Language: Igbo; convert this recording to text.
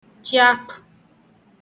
jiakpū